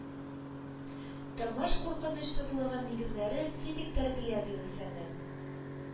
Тормыш куркынычсызлыгы нигезләре, физик тәрбия бирү фәне